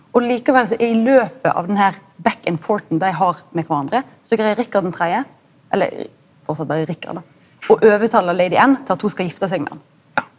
og likevel så i løpet av den her dei har med kvarandre så greier Rikard den tredje eller framleis berre Rikard då å overtale Lady Anne til at ho skal gifte seg med han.